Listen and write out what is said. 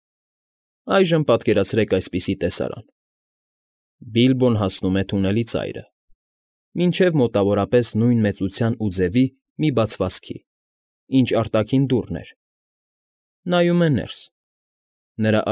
Այժմ պատկերացրեք այսպիսի տեսարան. Բիլբոն հասնում է թունելի ծայրը, մինչև մոտավորապես նույն մեծության ու ձևի մի բացվածքի, ինչ արտաքին դուռն էր, նայում է ներս. նրա։